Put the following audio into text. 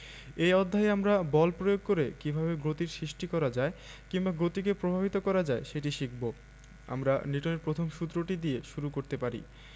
এই অধ্যায়ে আমরা বল প্রয়োগ করে কীভাবে গতির সৃষ্টি করা যায় কিংবা গতিকে প্রভাবিত করা যায় সেটি শিখব আমরা নিউটনের প্রথম সূত্রটি দিয়ে শুরু করতে পারি